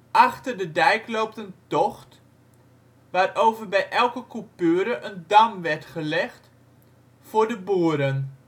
Achter de dijk loopt een tocht, waarover bij elke coupure een dam werd gelegd voor de boeren